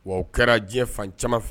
Wa o kɛra diɲɛ fan caaman fɛ